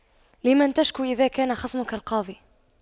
لمن تشكو إذا كان خصمك القاضي